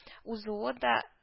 Узуы да